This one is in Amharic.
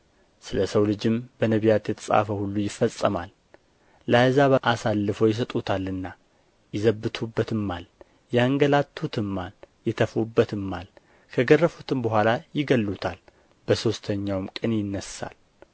ስለ ሰው ልጅም በነቢያት የተጻፈው ሁሉ ይፈጸማል ለአሕዛብ አሳልፈው ይሰጡታልና ይዘብቱበትማል ያንገላቱትማል ይተፉበትማል ከገረፉትም በኋላ ይገድሉታል በሦስተኛውም ቀን ይነሣል